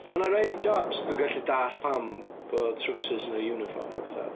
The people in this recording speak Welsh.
Mae 'na rhai jobs dwi'n gallu dallt pam bod trowsus yn yr uniform a pethau.